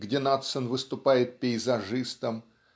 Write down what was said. где Надсон выступает пейзажистом